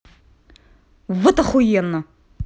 вот охуенно